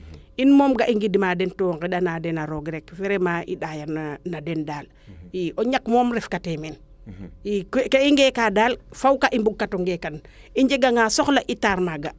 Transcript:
in moom ga i ngid ma den to ngenda na den a roog rek vraiment ndaaya na den o ñak daal ref kate teen i ka ai ngeeka daal faw ka'i mbung kata ngeekan i njeganga soxla i taarma